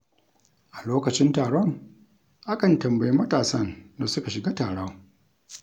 A lokacin taron, akan tambayi matasan da suka shiga taron: